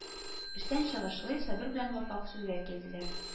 Эштән чыгышлый, Сабир белән Вафа сүзгә килделәр: